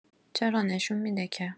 چرا نشون می‌ده که